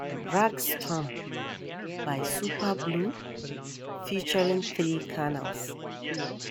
2. "Rag Storm" by Super Blue, featuring 3 Canal